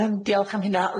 Yym diolch am hynna.